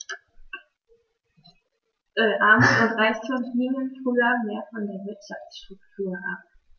Armut und Reichtum hingen früher mehr von der Wirtschaftsstruktur ab.